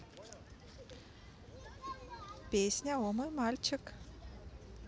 песня о мой мальчик